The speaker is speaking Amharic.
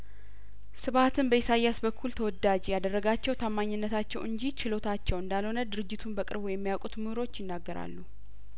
ስብሀትን በኢሳያስ በኩል ተወዳጅ ያደረጋቸው ታማኝ ነታችው እንጂ ችሎታቸው እንዳልሆነ ድርጅቱን በቅርቡ የሚያውቁትምሁሮች ይናገራሉ